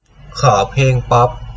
ขอเพลงป๊อป